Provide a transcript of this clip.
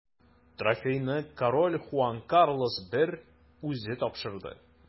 Трофейны король Хуан Карлос I үзе тапшырды.